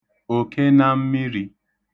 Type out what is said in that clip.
òkenammirī